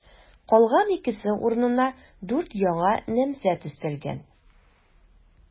Калган икесе урынына дүрт яңа намзәт өстәлгән.